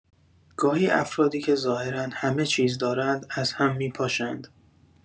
گاهی افرادی که ظاهرا همه‌چیز دارند از هم می‌پاشند.